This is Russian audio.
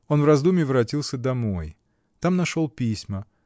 Он в раздумье воротился домой: там нашел письма.